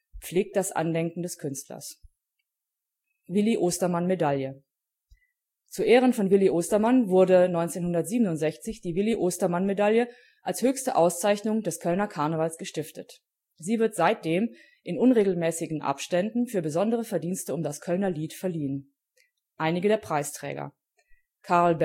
Willi-Ostermann-Medaille als höchste Auszeichnung des Kölner Karnevals gestiftet. Sie wird seitdem in unregelmäßigen Abständen für besondere Verdienste um das Kölner Lied verliehen. Einige der Preisträger: Karl